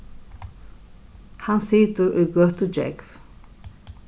hann situr í gøtugjógv